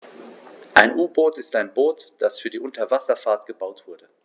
Ein U-Boot ist ein Boot, das für die Unterwasserfahrt gebaut wurde.